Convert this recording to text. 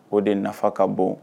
O de ye nafa ka bon